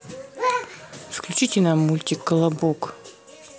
включите нам мультик колобок